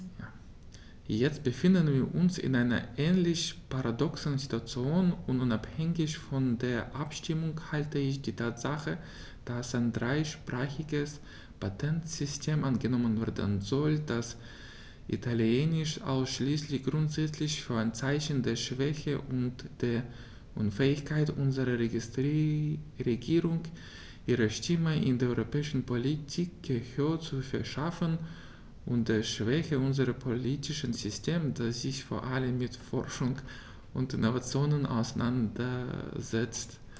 Jetzt befinden wir uns in einer ähnlich paradoxen Situation, und unabhängig von der Abstimmung halte ich die Tatsache, dass ein dreisprachiges Patentsystem angenommen werden soll, das Italienisch ausschließt, grundsätzlich für ein Zeichen der Schwäche und der Unfähigkeit unserer Regierung, ihrer Stimme in der europäischen Politik Gehör zu verschaffen, und der Schwäche unseres politischen Systems, das sich vor allem mit Forschung und Innovation auseinandersetzt.